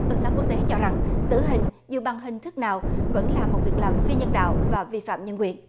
ân xá quốc tế cho rằng tử hình dù bằng hình thức nào vẫn là một việc làm phi nhân đạo và vi phạm nhân quyền